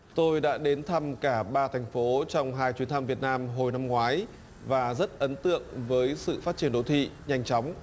tôi đã đến thăm cả ba thành phố trong hai chuyến thăm việt nam hồi năm ngoái và rất ấn tượng với sự phát triển đô thị nhanh chóng